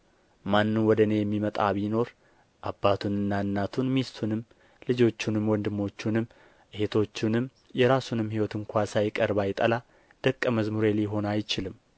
ማንም ወደ እኔ የሚመጣ ቢኖር አባቱንና እናቱን ሚስቱንም ልጆቹንም ወንድሞቹንም እኅቶቹንም የራሱን ሕይወት ስንኳ ሳይቀር ባይጠላ ደቀ መዝሙሬ ሊሆን አይችልም